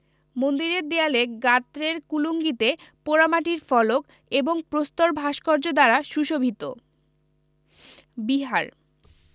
মন্দিরের দেয়ালে গাত্রের কুলুঙ্গিতে পোড়ামাটির ফলক এবং প্রস্তর ভাস্কর্য দ্বারা সুশোভিত বিহার